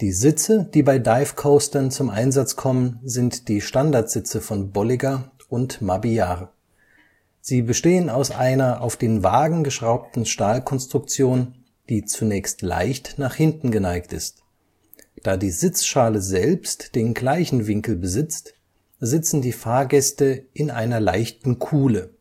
Sitze, die bei Dive Coastern zum Einsatz kommen, sind die Standardsitze von Bolliger & Mabillard. Sie bestehen aus einer auf den Wagen geschraubten Stahlkonstruktion, die zunächst leicht nach hinten geneigt ist. Da die Sitzschale selbst den gleichen Winkel besitzt, sitzen die Fahrgäste in einer leichten Kuhle